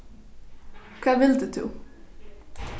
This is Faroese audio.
hvat vildi tú